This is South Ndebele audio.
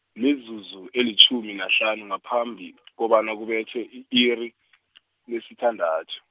mizuzu elitjhumi nahlanu ngaphambi , kobana kubethe i-iri , lesithandathu.